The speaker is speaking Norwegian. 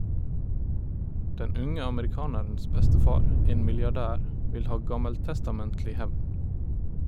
Den unge amerikanerens bestefar, en milliardær , vil ha gammeltestamentlig hevn.